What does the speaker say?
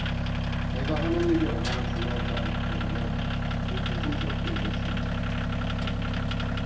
내가 하는 일이 얼마나 중요한지 알았기 때문에 늘 조심스럽게 일했습니다